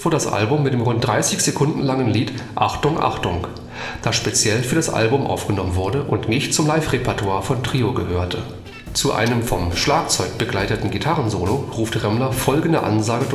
das Album mit dem rund 30 Sekunden langen Lied Achtung Achtung, das speziell für das Album aufgenommen wurde und nicht zum Live-Repertoire von Trio gehörte. Zu einem vom Schlagzeug begleiteten Gitarrensolo ruft Remmler folgende Ansage